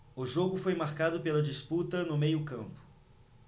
o jogo foi marcado pela disputa no meio campo